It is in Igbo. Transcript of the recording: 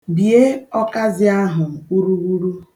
Bie ọkazị ahụ urughuru.